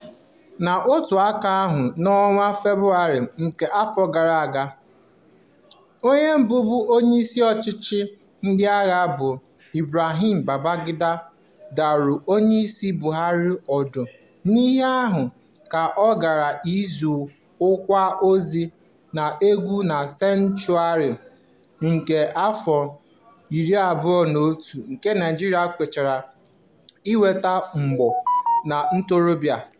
N'otu aka ahụ, n'ọnwa Febụwarị nke afọ gara aga, onye bụbu onyeisi ọchịchị ndị agha bụ Ibrahim Babangida dụrụ Onyeisiala Buhari ọdụ n'ihu ọha ka ọ ghara ịzọ ọkwa ọzọ, na-ekwu na senchuri nke 21 nke Naịjirịa kwesịrị inweta ọgbọ ndị ntorobịa.